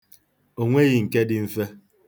O nweghị nke dị mfe.